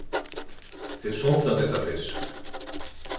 tað er sunt at eta fisk